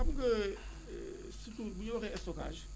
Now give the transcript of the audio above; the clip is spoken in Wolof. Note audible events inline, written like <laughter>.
waaw xam nga <hesitation> surtout bu ñu waxee stockage